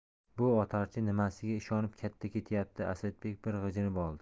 bu otarchi nimasiga ishonib katta ketyapti asadbek bir g'ijinib oldi